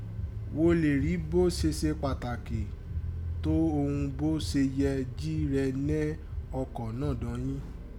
Wo lè rí bó si se pàtàkì tó oghun bó si yẹ ji rẹ nẹ́ ọkọ̀ nọ́dọ́n yìí.